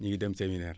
ñu ngi dem séminaire